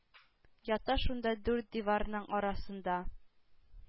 Ята шунда дүрт диварның арасында.